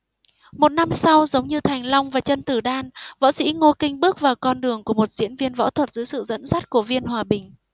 một năm sau giống như thành long và chân tử đan võ sĩ ngô kinh bước vào con đường của một diễn viên võ thuật dưới sự dẫn dắt của viên hòa bình